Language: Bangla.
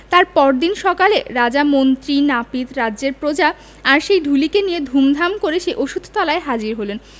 তার পরদিন সকালে রাজা মন্ত্রী নাপিত রাজ্যের প্রজা আর সেই চুলিকে নিয়ে ধুমধাম করে সেই অশ্বত্থতলায় হাজির হলেন